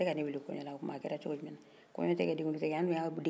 kɔɲɔ te kɛ den kundi te kɛ an dun y'a denkɛ ka kɔɲɔ kɛ o tuma o muso ma jigi hali bi wa